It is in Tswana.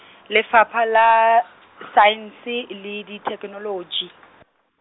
Lefapha la , Saense le di Thekenoloji.